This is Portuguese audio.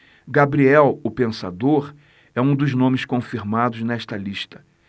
gabriel o pensador é um dos nomes confirmados nesta lista